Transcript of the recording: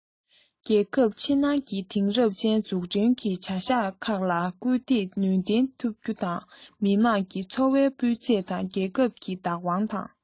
རྒྱལ ཁབ ཕྱི ནང གི དེང རབས ཅན འཛུགས སྐྲུན གྱི བྱ གཞག ཁག ལ སྐུལ འདེད ནུས ལྡན ཐེབས རྒྱུ དང མི དམངས ཀྱི འཚོ བའི སྤུས ཚད དང རྒྱལ ཁབ ཀྱི བདག དབང དང